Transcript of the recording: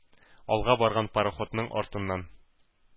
Алга барган пароходның артыннан